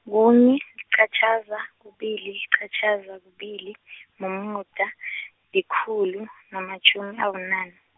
kunye, liqatjhaza, kubili, liqatjhaza, kubili , mumuda , likhulu namatjhumi abunane.